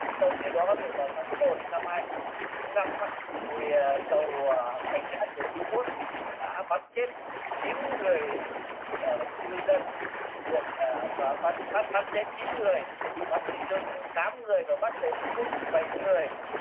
trong khi đó thì vào tháng một năm hai không không lăm ấy thì tàu của cảnh sát của trung quốc đã bắn chết chín người ngư dân huyện và bắn bắn bắn chết chín người bắn bị thương tám người và bắt về trung quốc bảy người